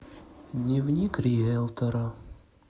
дневник риелтора